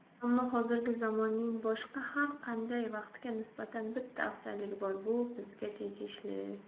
ammo hozirgi zamonning boshqa har qanday vaqtga nisbatan bitta afzalligi bor bu bizga tegishli